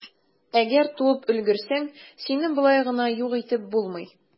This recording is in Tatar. Әгәр туып өлгерсәң, сине болай гына юк итеп булмый.